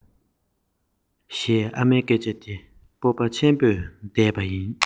ཞེས ཨ མའི སྐད ཆ དེ སྤོབས པ ཆེན པོས བཟླས པ ཡིན